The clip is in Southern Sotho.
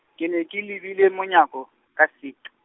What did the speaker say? ke ne ke lebile monyako, ka setu.